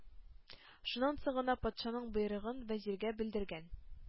Шуннан соң гына патшаның боерыгын вәзиргә белдергән.